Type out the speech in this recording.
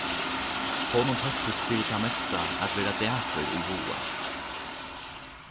honum tóktist fyri tað mesta at vera dapur í huga